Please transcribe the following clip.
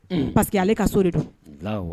Paseke ale ka so de don